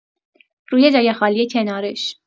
روی جای خالی کنارش